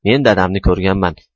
men dadamni ko'rganman